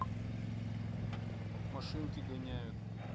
машинки гоняют